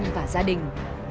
và gia đình